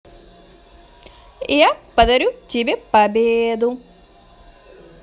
я подарю тебе победу